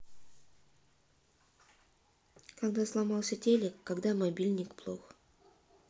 когда сломался телек когда мобильник плох